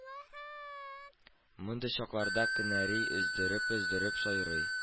Мондый чакларда кенәри өздереп-өздереп сайрый